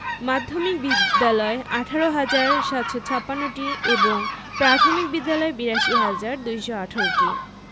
মাধ্যমিক বিদ্যালয় ১৮হাজার ৭৫৬টি এবং প্রাথমিক বিদ্যালয় ৮২হাজার ২১৮টি